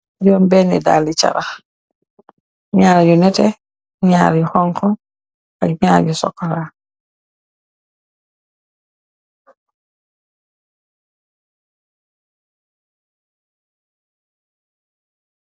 Juroom beni dalli carax naar yu nete naar yu xonxo ak naar yu chocola.